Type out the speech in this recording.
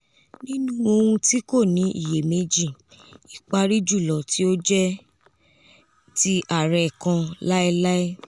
nínú ohun ti ko ni iyemeji "Ipari julọ ti o jẹ ti arẹ kan laelae!"